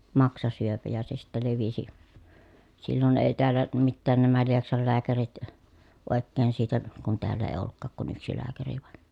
maksasyöpä ja se sitten levisi silloin ei täällä mitään nämä Lieksan lääkärit oikein siitä kun täällä ei ollutkaan kuin yksi lääkäri vain